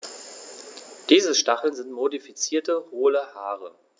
Diese Stacheln sind modifizierte, hohle Haare.